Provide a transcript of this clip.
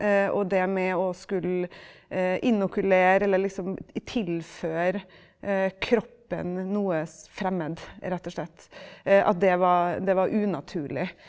og det med å skulle inokulere eller liksom tilføre kroppen noe fremmed, rett og slett, at det var det var unaturlig.